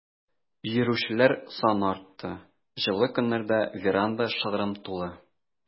Йөрүчеләр саны артты, җылы көннәрдә веранда шыгрым тулы.